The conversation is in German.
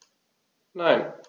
Nein.